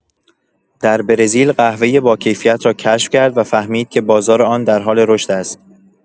در برزیل، قهوۀ باکیفیت را کشف کرد و فهمید که بازار آن در حال رشد است.